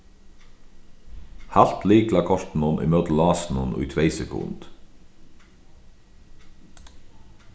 halt lyklakortinum ímóti lásinum í tvey sekund